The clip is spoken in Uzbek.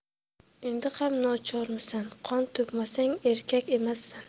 endi ham nochormisan qon to'kmasang erkak emassan